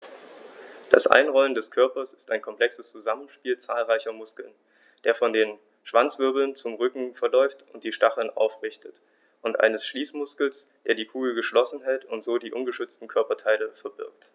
Das Einrollen des Körpers ist ein komplexes Zusammenspiel zahlreicher Muskeln, der von den Schwanzwirbeln zum Rücken verläuft und die Stacheln aufrichtet, und eines Schließmuskels, der die Kugel geschlossen hält und so die ungeschützten Körperteile verbirgt.